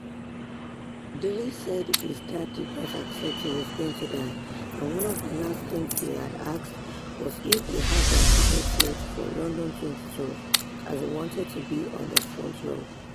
Daley said his dad did not accept he was going to die and one of the last things he had asked was if they had their tickets yet for London 2012 - as he wanted to be on the front row.